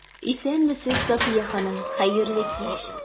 Исәнмесез, Сафия ханым, хәерле кич!